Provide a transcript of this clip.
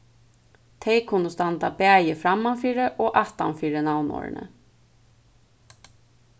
tey kunnu standa bæði frammanfyri og aftanfyri navnorðini